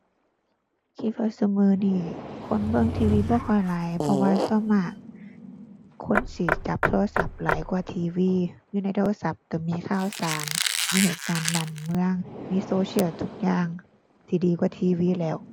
คิดว่าซุมื้อนี้คนเบิ่ง TV บ่ค่อยหลาย เพราะว่าส่วนมากคนสิจับโทรศัพท์หลายกว่า TV อยู่ในโทรศัพท์ก็มีข่าวสาร มีเหตุการณ์บ้านเมือง มีโซเชียลทุกอย่างที่ดีกว่า TV แล้ว